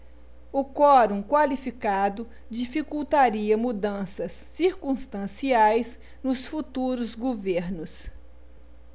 o quorum qualificado dificultaria mudanças circunstanciais nos futuros governos